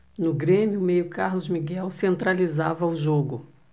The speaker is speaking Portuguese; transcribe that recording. no grêmio o meia carlos miguel centralizava o jogo